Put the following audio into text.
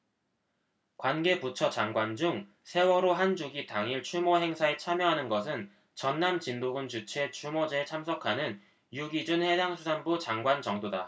관계 부처 장관 중 세월호 한 주기 당일 추모 행사에 참여하는 것은 전남 진도군 주최 추모제에 참석하는 유기준 해양수산부 장관 정도다